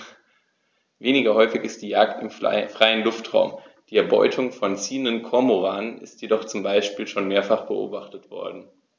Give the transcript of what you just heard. Weniger häufig ist die Jagd im freien Luftraum; die Erbeutung von ziehenden Kormoranen ist jedoch zum Beispiel schon mehrfach beobachtet worden.